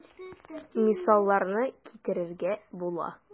Мисалларын китерергә була.